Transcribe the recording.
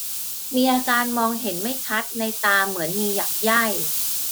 มีอาการมองเห็นไม่ชัดในตาเหมือนมีหยากไย่